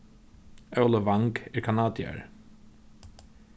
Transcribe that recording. óli vang er kanadiari